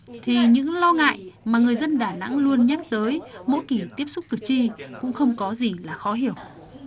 thì những lo ngại mà người dân đà nẵng luôn nhắc tới mỗi kỳ tiếp xúc cử tri cũng không có gì là khó hiểu